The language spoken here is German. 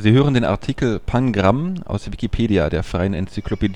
hören den Artikel Pangramm, aus Wikipedia, der freien Enzyklopädie